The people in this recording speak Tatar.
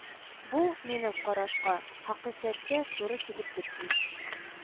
Бу, минем карашка, хакыйкатькә туры килеп бетми